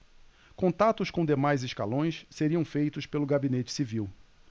contatos com demais escalões seriam feitos pelo gabinete civil